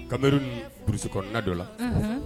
Kamalenmeri burusikkɔrɔna dɔ la